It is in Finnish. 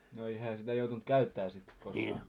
no ei hän sitä joutunut käyttämään sitten koskaan